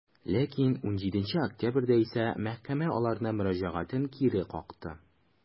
Ләкин 17 октябрьдә исә мәхкәмә аларның мөрәҗәгатен кире какты.